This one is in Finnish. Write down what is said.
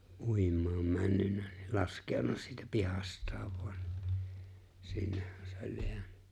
uimaan mennyt niin laskeutunut siitä pihastaan vain niin sinnehän se oli jäänyt